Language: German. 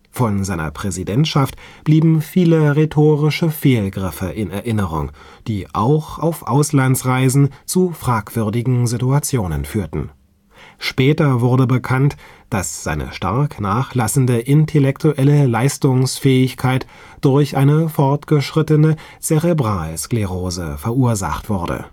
Von seiner Präsidentschaft blieben viele rhetorische Fehlgriffe in Erinnerung, die auch auf Auslandsreisen zu fragwürdigen Situationen führten. Später wurde bekannt, dass seine stark nachlassende intellektuelle Leistungsfähigkeit durch eine fortgeschrittene Zerebralsklerose verursacht wurde